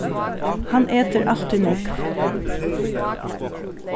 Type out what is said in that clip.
hann etur altíð nógv s